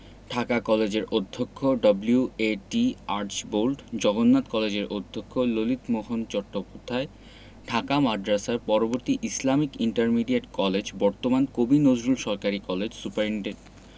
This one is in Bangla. ঢাকা কলেজের অধ্যক্ষ ডব্লিউ.এ.টি আর্চবোল্ড জগন্নাথ কলেজের অধ্যক্ষ ললিতমোহন চট্টোপধ্যায় ঢাকা মাদ্রাসার পরবর্তীকালে ইসলামিক ইন্টারমিডিয়েট কলেজ বর্তমান কবি নজরুল সরকারি কলেজ সুপারিন্টেন্ট